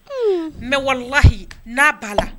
N mɛwalahi n'a b'a la